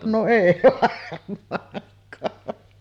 no ei varmaankaan